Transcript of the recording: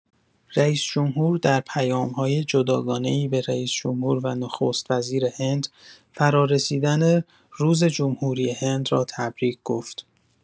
رئیس‌جمهور در پیام‌های جداگانه‌ای به رئیس‌جمهور و نخست‌وزیر هند، فرارسیدن روز جمهوری هند را تبریک گفت.